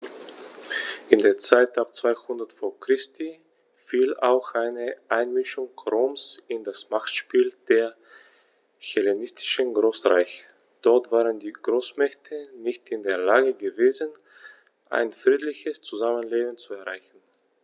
In die Zeit ab 200 v. Chr. fiel auch die Einmischung Roms in das Machtspiel der hellenistischen Großreiche: Dort waren die Großmächte nicht in der Lage gewesen, ein friedliches Zusammenleben zu erreichen.